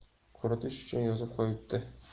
quritish uchun yozib qo'yibdi